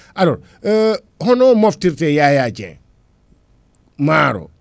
alors hono moftirte Yaya Dieng maaro